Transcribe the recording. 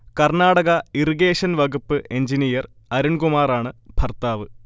Karnataka irrigation വകുപ്പ് engineer അരുൺകുമാറാണ് ഭർത്താവ്